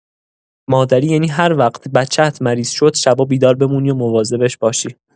مادری یعنی هر وقت بچه‌ات مریض شد شبا بیدار بمونی و مواظبش باشی.